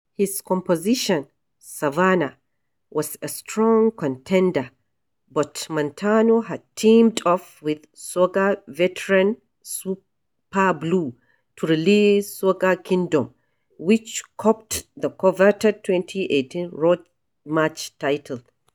His composition, "Savannah", was a strong contender, but Montano had teamed up with soca veteran Superblue to release "Soca Kingdom", which copped the coveted 2018 Road March title.